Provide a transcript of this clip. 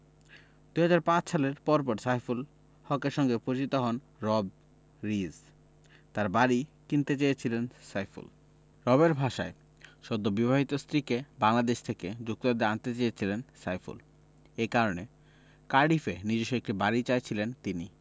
২০০৫ সালের পরপর সাইফুল হকের সঙ্গে পরিচিত হন রব রিজ তাঁর বাড়ি কিনতে চেয়েছিলেন সাইফুল রবের ভাষায় সদ্যবিবাহিত স্ত্রীকে বাংলাদেশ থেকে যুক্তরাজ্যে আনতে চেয়েছিলেন সাইফুল এ কারণে কার্ডিফে নিজস্ব একটি বাড়ি চাইছিলেন তিনি